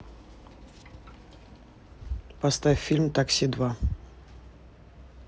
поставь фильм такси два